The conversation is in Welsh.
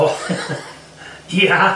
O ia!